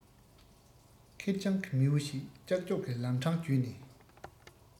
ཁེར རྐྱང གི མི བུ ཞིག ཀྱག ཀྱོག གི ལམ འཕྲང རྒྱུད ནས